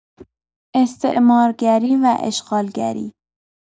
استعمارگری و اشغالگری